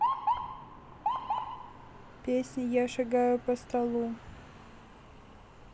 песня я шагаю по столу